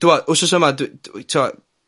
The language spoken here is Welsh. Dw'mo', wsos yma dwi dwi t'mo'